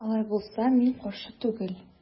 Алай булса мин каршы түгел.